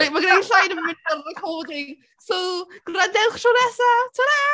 Reit mae gyda ni llai 'na munud ar ôl o'r recording so gwrandewch tro nesa. Tara!